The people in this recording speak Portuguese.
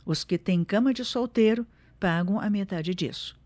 os que têm cama de solteiro pagam a metade disso